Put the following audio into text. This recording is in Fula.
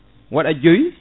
waɗa jooyi